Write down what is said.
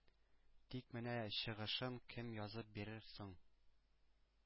Тик менә чыгышын кем язып бирер соң?